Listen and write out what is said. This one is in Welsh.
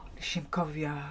Wnes i'm cofio.